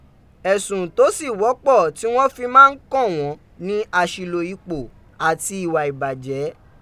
Ẹsun to si wọpọ ti wọn fi ma n kan wọn ni aṣilo ipo, ati iwa ibajẹ.